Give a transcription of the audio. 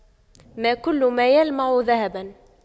ما كل ما يلمع ذهباً